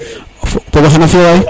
pogoxe nam fiyo waay